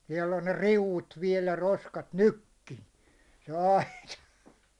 siellä on ne riu'ut vielä ja roskat nytkin se aita